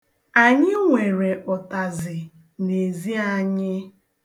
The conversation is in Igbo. Anyị nwere ụtazị n'ezi anyị.